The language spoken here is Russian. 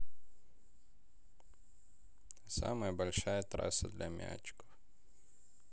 самая большая трасса для мячиков